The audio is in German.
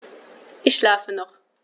Ich schlafe noch.